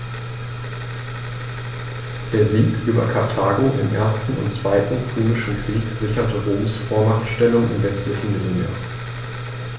Der Sieg über Karthago im 1. und 2. Punischen Krieg sicherte Roms Vormachtstellung im westlichen Mittelmeer.